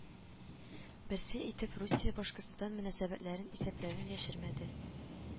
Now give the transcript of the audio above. Берсе итеп русия башкортстан мөнәсәбәтләрен исәпләвен яшермәде